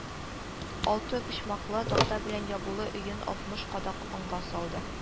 Алты почмаклы, такта белән ябулы өен алтмыш кадак онга сатты